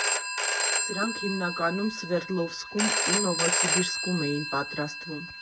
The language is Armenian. Սրանք հիմնականում Սվերդլովսկում ու Նովոսիբիրսկում էին պատրաստում։